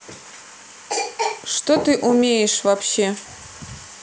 что ты умеешь вообще